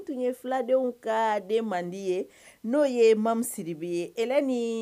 Tun ye filadenw ka den ye n'o ye mamusiribi ye